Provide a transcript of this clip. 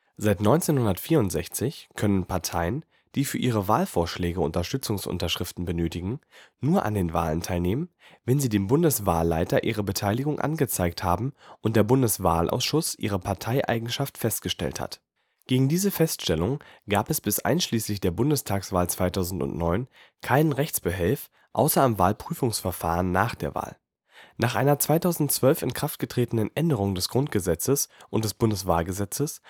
Seit 1964 können Parteien, die für ihre Wahlvorschläge Unterstützungsunterschriften benötigen, nur an der Wahl teilnehmen, wenn sie dem Bundeswahlleiter ihre Beteiligung angezeigt haben und der Bundeswahlausschuss ihre Parteieigenschaft festgestellt hat. Gegen diese Feststellung gab es bis einschließlich der Bundestagswahl 2009 keinen Rechtsbehelf außer im Wahlprüfungsverfahren nach der Wahl. Nach einer 2012 in Kraft getretenen Änderung des Grundgesetzes und des Bundeswahlgesetzes